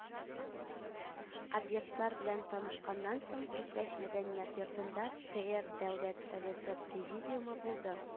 Объектлар белән танышканнан соң, Питрәч Мәдәният йортында ТР Дәүләт Советы Президиумы булды